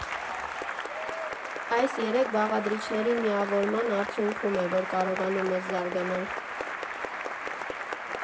Այս երեք բաղադրիչների միավորման արդյունքում է, որ կարողանում ես զարգանալ։